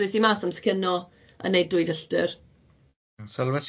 amser cino yn neud dwy filltir